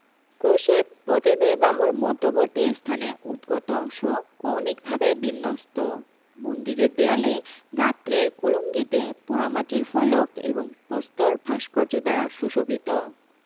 ক্রুশের প্রতি দুই বাহুর মধ্যবর্তী স্থানে উদ্গত অংশ কৌণিকভাবে বিন্যস্ত মন্দিরের দেয়ালে গাত্রের কুলুঙ্গিতে পোড়ামাটির ফলক এবং প্রস্তর ভাস্কর্য দ্বারা সুশোভিত